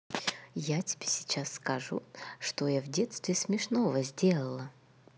я тебе сейчас расскажу что я в детстве смешного сделала